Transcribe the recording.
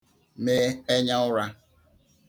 me enyaụra